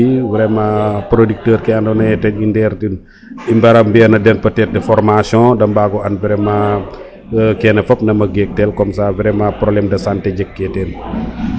vraiment producteur ke ando naye den ndeer den i mbara mbiya na den peut etre formation de mbago an vraiment kene fop nama geek tel comme ca vraiment probleme de :fdra santé jega ke ten